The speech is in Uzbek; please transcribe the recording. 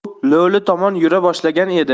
u lo'li tomon yura boshlagan edi